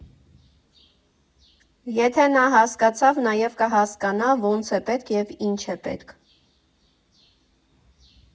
Եթե նա հասկացավ, նաև կհասկանա՝ ոնց է պետք, և ինչ է պետք։